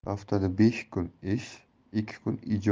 haftada besh kun ish ikki kun